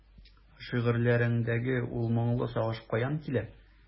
Шигырьләреңдәге ул моңлы сагыш каян килә?